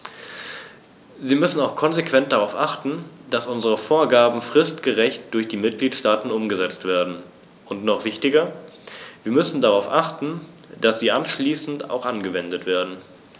Wir müssen auch konsequent darauf achten, dass unsere Vorgaben fristgerecht durch die Mitgliedstaaten umgesetzt werden, und noch wichtiger, wir müssen darauf achten, dass sie anschließend auch angewendet werden.